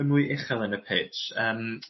y mwy uchel yn y pitch yym